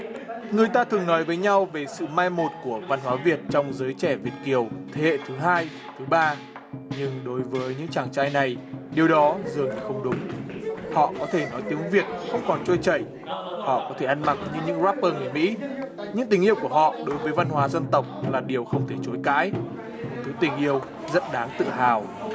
người ta thường nói với nhau về sự mai một của văn hóa việt trong giới trẻ việt kiều thế hệ thứ hai thứ ba nhưng đối với những chàng trai này điều đó dường như không đúng họ có thể nói tiếng việt không còn trôi chảy họ có thể ăn mặc như những ráp pơ người mỹ nhưng tình yêu của họ đối với văn hóa dân tộc là điều không thể chối cãi một thứ tình yêu rất đáng tự hào